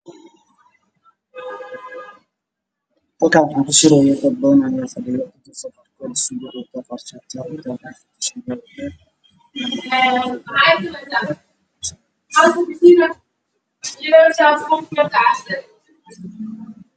Meeshaan waxaa ka muuqdo nin wato suud baluug ah